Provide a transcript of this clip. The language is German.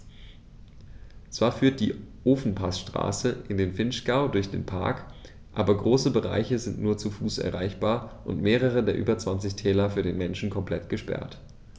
Zwar führt die Ofenpassstraße in den Vinschgau durch den Park, aber große Bereiche sind nur zu Fuß erreichbar und mehrere der über 20 Täler für den Menschen komplett gesperrt.